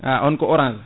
a on ko orange